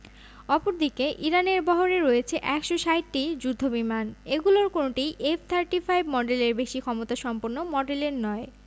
অপরদিকে ইরানের বহরে রয়েছে ১৬০টি যুদ্ধবিমান এগুলোর কোনোটিই এফ থার্টি ফাইভ মডেলের বেশি ক্ষমতাসম্পন্ন মডেলের নয়